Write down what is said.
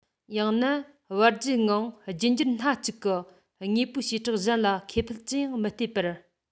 ཡང ན བར བརྒྱུད ངང རྒྱུད འགྱུར སྣ གཅིག གི དངོས པོའི བྱེ བྲག གཞན ལ ཁེ ཕན ཅི ཡང མི སྟེར པར